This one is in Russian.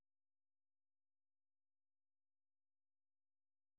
бига егоров старые серии